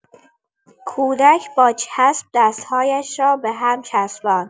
کودک با چسب دست‌هایش را به هم چسباند